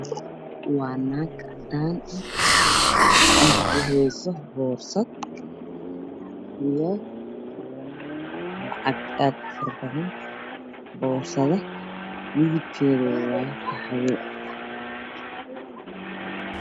waa naag cadaan oo gacanta ku hayso boorso iyo lacag aad ufara badan boorsada midabkeeda waa qaxwi